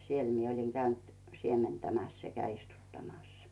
siellä minä olin käynyt siementämässä sekä istuttamassa